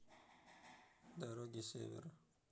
дороги севера